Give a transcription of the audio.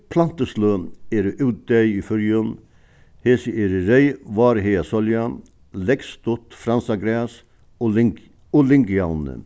plantusløg eru útdeyð í føroyum hesi eru reyð várhagasólja leggstutt fransagras og og lyngjavni